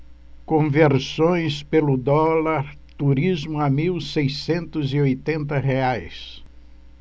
conversões pelo dólar turismo a mil seiscentos e oitenta reais